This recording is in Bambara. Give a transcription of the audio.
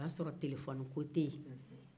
o y'a sɔrɔ telefɔniko tɛ yen